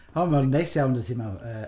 Wel, mae'n neis iawn 'da ti 'ma, yy...